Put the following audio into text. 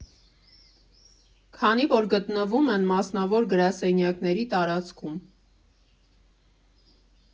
Քանի որ գտնվում են մասնավոր գրասենյակների տարածքում։